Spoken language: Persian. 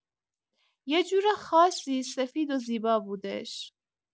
یک‌جور خاصی سفید و زیبا بودش.